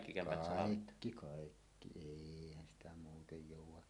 kaikki kaikki eihän sitä muuten jouda